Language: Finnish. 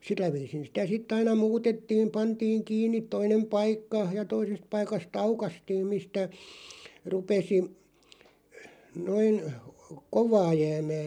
sillä viisin sitä sitten aina muutettiin pantiin kiinni toinen paikka ja toisesta paikasta aukaistiin mistä rupesi noin kovaa jäämään